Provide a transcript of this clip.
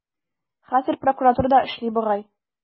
Хәзер прокуратурада эшли бугай.